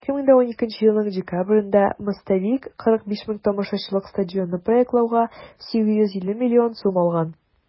2012 елның декабрендә "мостовик" 45 мең тамашачылык стадионны проектлауга 850 миллион сум алган.